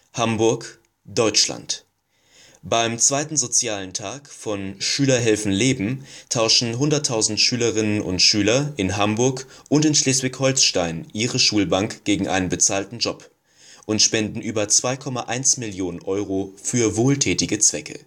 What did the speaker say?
Hamburg/Deutschland: Beim zweiten „ Sozialen Tag “von Schüler Helfen Leben tauschen 100.000 Schülerinnen und Schüler in Hamburg und in Schleswig-Holstein ihre Schulbank gegen einen bezahlten Job und spenden über 2,1 Millionen Euro für wohltätige Zwecke